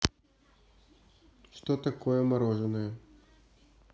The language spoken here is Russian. что такое мороженое